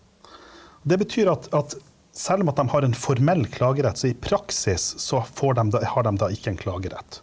det betyr at at selv om at dem har en formell klagerett så i praksis så får dem har dem da ikke en klagerett.